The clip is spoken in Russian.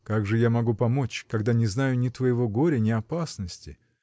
— Как же я могу помочь, когда не знаю ни твоего горя, ни опасности?